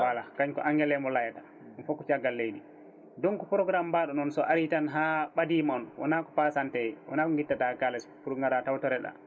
voilà kañum ko Anglais mo layata ɗum foof ko caggal leydi donc programme mbaɗo noon so ari tan ha ɓaadima on wona ko pasante wona ko guittata kalis pour gara tawtore ɗa